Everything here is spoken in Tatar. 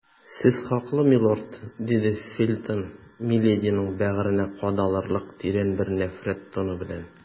Сез хаклы, милорд, - диде Фельтон милединың бәгыренә кадалырлык тирән бер нәфрәт тоны белән.